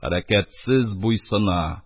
Хәрәкәтсез буйсына: